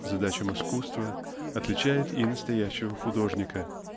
задачам искусства отличает и настоящего художника